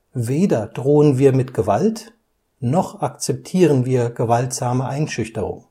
Weder drohen wir mit Gewalt noch akzeptieren wir gewaltsame Einschüchterung